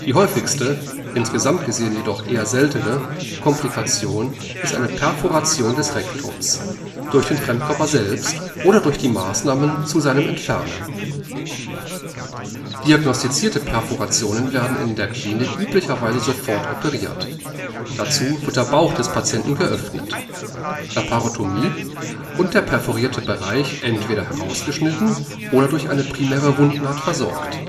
häufigste – insgesamt gesehen jedoch eher seltene – Komplikation ist eine Perforation des Rektums, durch den Fremdkörper selbst oder durch die Maßnahmen zu seinem Entfernen. Diagnostizierte Perforationen werden in der Klinik üblicherweise sofort operiert. Dazu wird der Bauch des Patienten geöffnet (Laparotomie) und der perforierte Bereich entweder herausgeschnitten oder durch eine primäre Wundnaht versorgt